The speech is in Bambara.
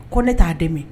Ko ne t'a dɛmɛ